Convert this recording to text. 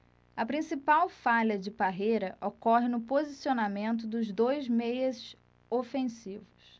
a principal falha de parreira ocorre no posicionamento dos dois meias ofensivos